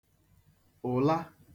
ụ̀la